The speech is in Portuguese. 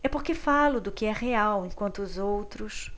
é porque falo do que é real enquanto os outros